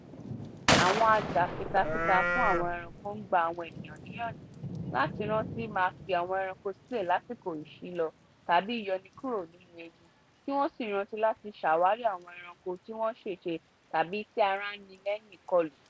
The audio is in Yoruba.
Àwọn ajàfitafita fún àwọn ẹranko ń gba àwọn ènìyàn níyànjú láti rántí má fi àwọn ẹranko sílẹ̀ lásìkò ìṣílọ tàbí ìyọnikúrò nínú ewu kí wọn ó sì rántí láti ṣàwárí àwọn ẹranko tí wọ́n ṣèṣe tàbí tí ara ń ni lẹ́yìn ìkọlù.